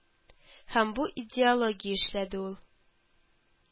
Һәм бу идеология эшләде, ул